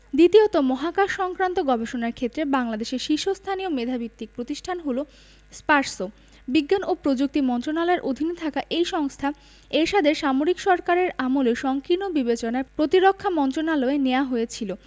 দ্বিতীয়ত মহাকাশসংক্রান্ত গবেষণার ক্ষেত্রে বাংলাদেশের শীর্ষস্থানীয় মেধাভিত্তিক প্রতিষ্ঠান হলো স্পারসো বিজ্ঞান ও প্রযুক্তি মন্ত্রণালয়ের অধীনে থাকা এই সংস্থা এরশাদের সামরিক সরকারের আমলে সংকীর্ণ বিবেচনায় প্রতিরক্ষা মন্ত্রণালয়ে নেওয়া হয়েছিল